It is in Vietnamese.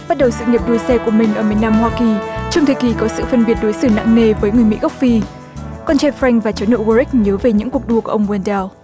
bắt đầu sự nghiệp đua xe của mình ở miền nam hoa kỳ trong thời kì có sự phân biệt đối xử nặng nề với người mỹ gốc phi con trai phanh và cháu nội gua rích nhớ về những cuộc đua ông guen đao